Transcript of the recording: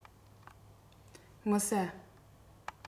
མི ཟ